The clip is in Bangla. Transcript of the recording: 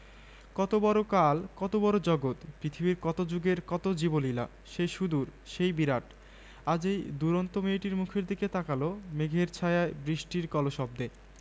আঠারো শতকের পুরোনো মসজিদ পেলো নতুন রুপ আর সে কি রুপ কতদিন মুগ্ধ হয়ে চেয়ে থেকেছি ঐ গম্বুজের দিকে সূর্য্যিমামা অন্ধকার গুহায় লুকানোর আগে তাঁর শেষ হাসিটুকু যখন ঝরিয়ে দিতেন সিতারা মসজিদের গম্বুজে